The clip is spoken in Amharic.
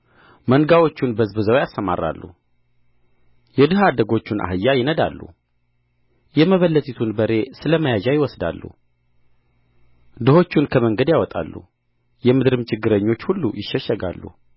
መንጋዎቹን በዝብዘው ያሰማራሉ የድሀ አድጎቹን አህያ ይነዳሉ የመበለቲቱን በሬ ስለ መያዣ ይወስዳሉ ድሆቹን ከመንገዱ ያወጣሉ የምድርም ችግረኞች ሁሉ ይሸሸጋሉ